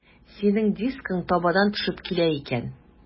Синең дискың табадан төшеп килә икән.